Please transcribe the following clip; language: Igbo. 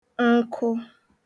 nkụ